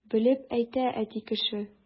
Белеп әйтә әти кеше!